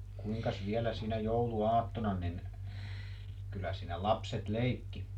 kuinkas vielä siinä jouluaattona niin kyllä siinä lapset leikki